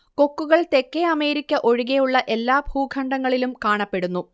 കൊക്കുകൾ തെക്കേ അമേരിക്ക ഒഴികെയുള്ള എല്ലാ ഭൂഖണ്ഡങ്ങളിലും കാണപ്പെടുന്നു